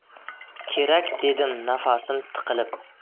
kerak dedim nafasim tiqilib